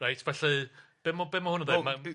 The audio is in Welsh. Reit fally be- ma' be- ma' hwn yn ddeu? Ma'...